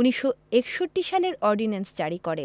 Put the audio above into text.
১৯৬১ সালের অর্ডিন্যান্স জারি করে